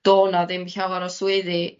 do' 'na ddim llawar o swyddi